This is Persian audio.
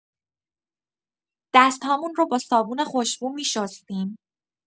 دست‌هامون رو با صابون خوشبو می‌شستیم.